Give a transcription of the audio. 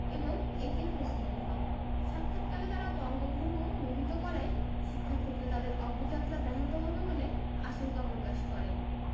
এবং এ.কে ফজলুল হক সাক্ষাৎকালে তাঁরা বঙ্গভঙ্গ রহিত করায় শিক্ষাক্ষেত্রে তাদের অগ্রযাত্রা ব্যাহত হবে বলে আশঙ্কা প্রকাশ করেন